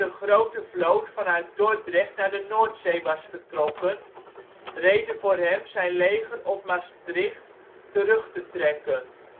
grote vloot vanuit Dordrecht naar de Noordzee was vertrokken, reden voor hem zijn leger op Maastricht terug te trekken